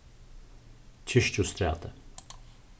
kirkjustræti